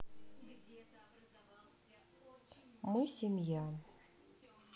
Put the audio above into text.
мы семья